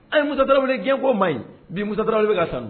A musotɔko ma ɲi bi muta bɛ ka san